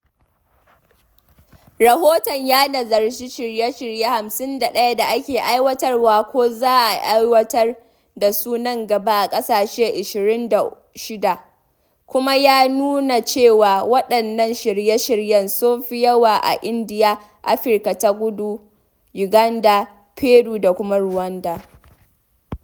Rahoton ya nazarci shirye-shirye 51 da ake aiwatarwa ko za a aiwatar da su nan gaba a ƙasashe 26, kuma ya nuna cewa waɗannan shirye-shiryen sun fi yawa a Indiya, Afirka ta Kudu, Uganda, Peru, da kuma Rwanda.